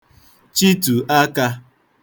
chịtù akā